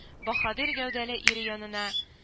Баһадир гәүдәле ире янына